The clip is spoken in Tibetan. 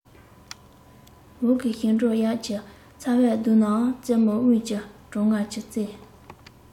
འོག གི ཞིང གྲོང དབྱར གྱི ཚ བས གདུང ནའང རྩེ མོར དགུན གྱི གྲང ངར གྱིས གཙེས